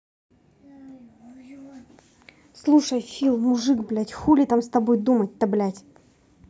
слушай фил мужик блядь хули там с тобой думать то блядь